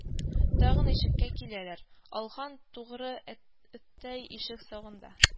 Тагын ишеккә киләләр, алхан тугры эттәй ишек сагында